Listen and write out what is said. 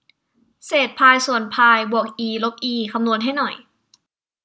เศษพายส่วนพายบวกอีลบอีคำนวณให้หน่อย